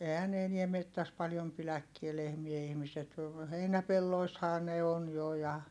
eihän ne enää metsässä paljon pidäkään lehmiä ihmiset heinäpelloissahan ne on jo ja